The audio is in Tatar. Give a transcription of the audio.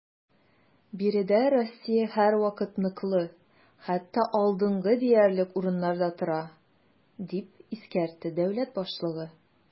Биредә Россия һәрвакыт ныклы, хәтта алдынгы диярлек урыннарда тора, - дип искәртте дәүләт башлыгы.